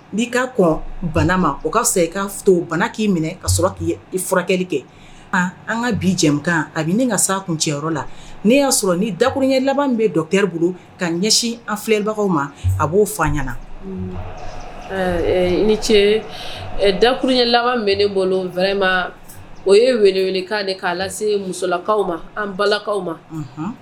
N''a bana ma o ka i ka to k'i minɛ ka sɔrɔ k'i furakɛli kɛ an ka bi jɛkan a bɛ ne ka sa kun cɛ la n'i y'a sɔrɔ ni daurun laban bɛ kɛra bolo ka ɲɛsin an filɛbagaw ma a b'o fa ɲɛnaana i ni ce daurunɲɛ laban bɛ ne boloma o ye welekan de k'a lase lase musolakaw ma an balakaw ma